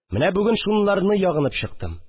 Менә бүген шуларны ягынып чыктым